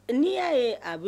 N'i y'a ye a